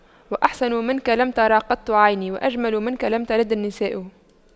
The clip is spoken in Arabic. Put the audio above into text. وأحسن منك لم تر قط عيني وأجمل منك لم تلد النساء